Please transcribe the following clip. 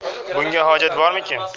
bunga hojat bormikin